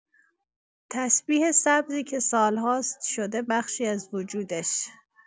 تسبیح سبزی که سالهاست شده بخشی از وجودش.